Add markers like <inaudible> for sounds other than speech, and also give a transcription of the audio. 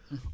<hesitation> <hesitation>